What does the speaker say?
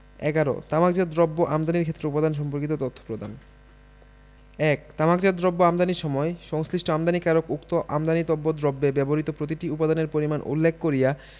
১১ তামাকজাত দ্রব্য আমদানির ক্ষেত্রে উপাদান সম্পর্কিত তথ্য প্রদানঃ ১ তামাকজাত দ্রব্য আমদানির সময় সংশ্লিষ্ট আমদানিকারক উক্ত আমদানিতব্য দ্রব্যে ব্যবহৃত প্রতিটি উপাদানের পরিমাণ উল্লেখ করিয়া